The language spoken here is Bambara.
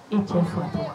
I cɛ fɔ